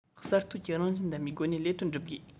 གསར གཏོད ཀྱི རང བཞིན ལྡན པའི སྒོ ནས ལས དོན བསྒྲུབ དགོས